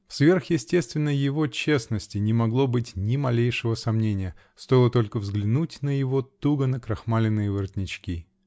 В сверхъестественной его честности не могло быть ни малейшего сомнения: стоило только взглянуть на его туго накрахмаленные воротнички!